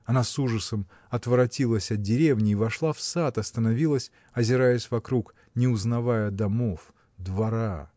Она с ужасом отворотилась от деревни и вошла в сад, остановилась, озираясь вокруг, не узнавая домов, двора.